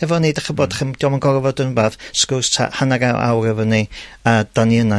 efo ni 'dych ch'mbod chi'm 'di o'm yn gor'o' fod yn sgwrs tua hanner a- awr efo ni. A 'dan ni yna